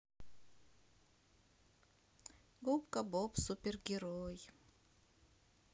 губка боб супергерой